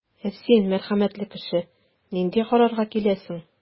Ә син, мәрхәмәтле кеше, нинди карарга киләсең?